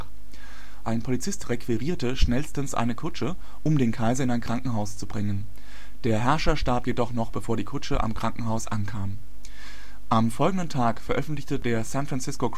schnellstens eine Kutsche, um den Kaiser in ein Krankenhaus zu bringen. Der Herrscher starb jedoch noch bevor die Kutsche am Krankenhaus ankam. Am folgenden Tag veröffentlichte der San Francisco